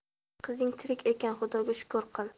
qizing tirik ekan xudoga shukr qil